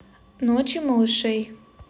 ночи малышей